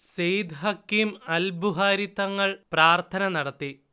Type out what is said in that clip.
സെയ്ദ് ഹഖീം അൽ ബുഹാരി തങ്ങൾ പ്രാർത്ഥന നടത്തി